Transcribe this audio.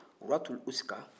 ruwatul uska